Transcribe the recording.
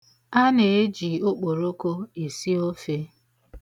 A na-eji okporoko esi ofe.